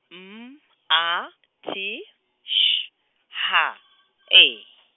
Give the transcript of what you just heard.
M, A, T, Š, H, E, .